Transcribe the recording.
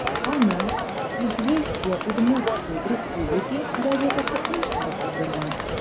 Аны «Известия Удмуртсткой Республики» газетасы оештырып уздырган.